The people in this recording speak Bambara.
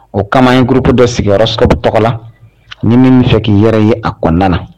O kama in gurp dɔ sigiyɔrɔyɔrɔ sababu tɔgɔ la ni min' fɛ k' ii yɛrɛ ye a kɔnɔna na